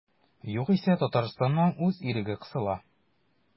Югыйсә Татарстанның үз иреге кысыла.